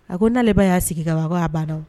A ko neale y'a sigi ka wa ko a ba dɔn